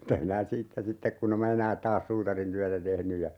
mitäs minä siitä sitten kun en minä enää taas suutarintyötä tehnyt ja